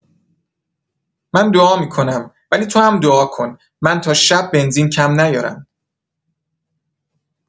من دعا می‌کنم، ولی تو هم دعا کن من تا شب بنزین کم نیارم.